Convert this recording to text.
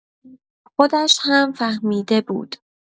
خودش هم فهمیده بود.